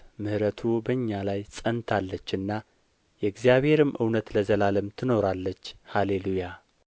ምሕረቱ በእኛ ላይ ጸንታለችና የእግዚአብሔርም እውነት ለዘላለም ትኖራለች ሃሌ ሉያ